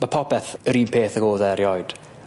Ma' popeth yr un peth ag o'dd e erioed.